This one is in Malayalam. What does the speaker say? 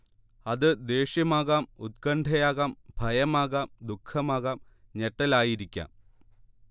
അത് ദേഷ്യമാകാം ഉത്കണ്ഠയാകാം ഭയമാകാം ദുഃഖമാകാം ഞെട്ടലായിരിക്കാം